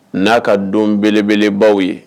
N'a ka don belebelebagaw ye